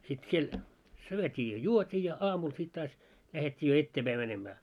sitten siellä syötiin ja juotiin ja aamulla sitten taas lähdettiin jo eteenpäin menemään